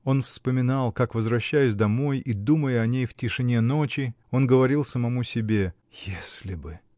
он вспоминал, как, возвращаясь домой и думая о ней в тиши ночи, он говорил самому себе: "Если бы!.